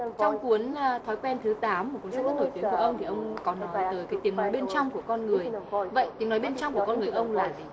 trong cuốn thói quen thứ tám một cuốn sách rất nổi tiếng của ông thì ông có nói tới cái tiếng nói bên trong của con người vậy tiếng nói bên trong của ông là gì